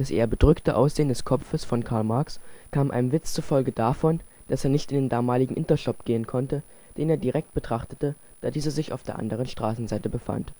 eher bedrückte Aussehen des Kopfes von Marx kam einem Witz zufolge davon, dass er nicht in den damaligen Intershop gehen konnte, den er direkt betrachtete, da dieser sich auf der anderen Straßenseite befand